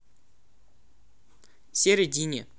середине